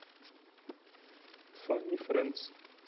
фанни френдс